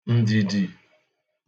ǹdìdì